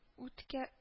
Үткә